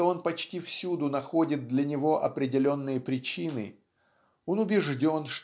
что он почти всюду находит для него определенные причины он убежден